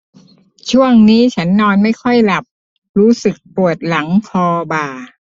ช่วงนี้ฉันนอนไม่ค่อยหลับรู้สึกปวดหลังคอบ่า